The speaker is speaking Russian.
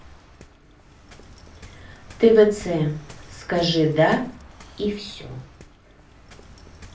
твц скажи да и все